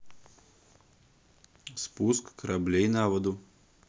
спуск кораблей на воду